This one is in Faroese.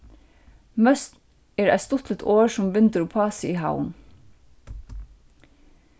møsn er eitt stuttligt orð sum vindur upp á seg í havn